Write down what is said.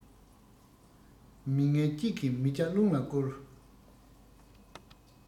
མི ངན གཅིག གིས མི བརྒྱ རླུང ལ བསྐུར